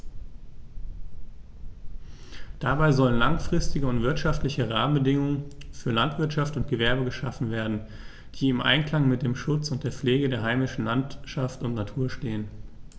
Dabei sollen langfristige und wirtschaftliche Rahmenbedingungen für Landwirtschaft und Gewerbe geschaffen werden, die im Einklang mit dem Schutz und der Pflege der heimischen Landschaft und Natur stehen.